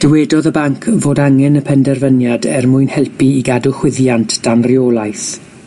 Dywedodd y banc fod angen y penderfyniad er mwyn helpu i gadw chwyddiant dan reolaeth